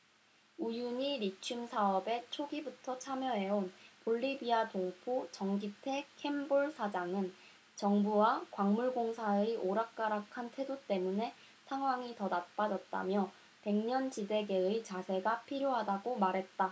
우유니 리튬 사업에 초기부터 참여해온 볼리비아 동포 정기태 켐볼 사장은 정부와 광물공사의 오락가락한 태도 때문에 상황이 더 나빠졌다며 백년지대계의 자세가 필요하다고 말했다